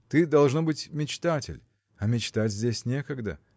Ты, должно быть, мечтатель, а мечтать здесь некогда